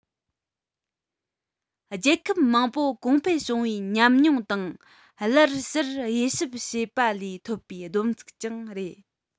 རྒྱལ ཁབ མང པོ གོང འཕེལ བྱུང བའི ཉམས མྱོང དང བསླབ བྱར དབྱེ ཞིབ བྱས པ ལས ཐོབ པའི བསྡོམས ཚིག ཀྱང རེད